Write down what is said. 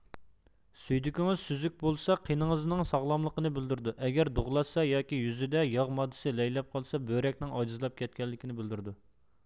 سۈيدۈكىڭىز سۈزۈك بولسا قېنىڭىزنىڭ ساغلاملىقنى بىلدۈرىدۇ ئەگەر دۇغلاشسا ياكى يۈزىدە ياغ ماددىسى لەيلەپ قالسا بۆرەكنىڭ ئاجىزلاپ كەتكەنلىكىنى بىلدۈرىدۇ